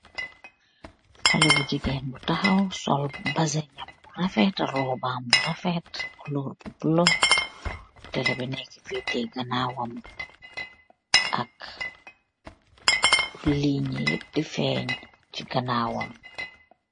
haleh bu jigeen bu tahowu, sol bezinam bu rafet, robam bu rafet kulor bu bula ak tehleh neka ce ganawang.